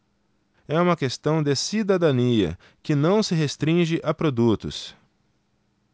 é uma questão de cidadania que não se restringe a produtos